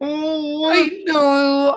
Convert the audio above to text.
O! I know!